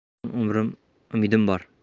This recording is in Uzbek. xudodan umidim bor